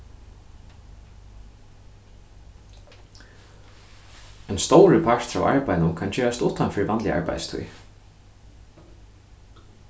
ein stórur partur av arbeiðinum kann gerast uttan fyri vanliga arbeiðstíð